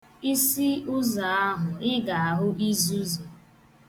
I si ụzọ ahụ, ị ga-ahụ izuzu.